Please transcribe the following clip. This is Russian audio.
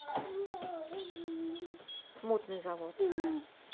мутный завод